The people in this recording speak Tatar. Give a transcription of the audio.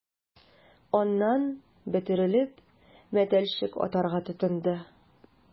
Аннан, бөтерелеп, мәтәлчек атарга тотынды...